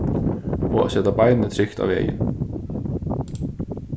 og at seta beinini trygt á vegin